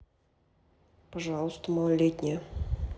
пожалуйста малолетняя